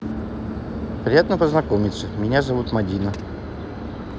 приятно познакомиться меня зовут мадина